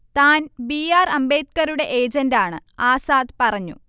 താൻ B. R അംബേദ്കറുടെ ഏജന്റാണ്- ആസാദ് പറഞ്ഞു